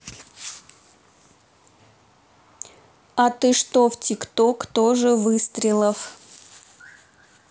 а ты что в tiktok тоже выстрелов